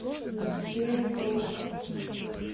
фильм круг